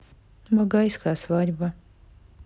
багайская свадьба